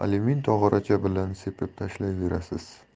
alyumin tog'oracha bilan sepib tashlayverasiz